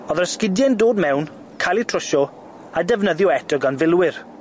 O'dd yr esgidie'n dod mewn, ca'l eu trwsio, a defnyddio eto gan filwyr.